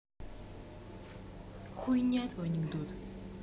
хуйня твой анекдот